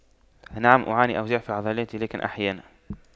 نعم أعاني أوجاع في عضلاتي لكن أحيانا